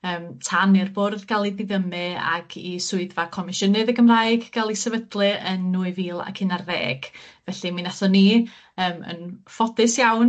yym tan i'r Bwrdd ga'l 'i diddymu ac i swyddfa Comisiynydd y Gymraeg ga'l 'i sefydlu yn nwy fil ac un ar ddeg felly mi nathon ni yym yn ffodus iawn...